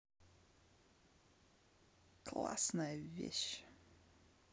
классная вещь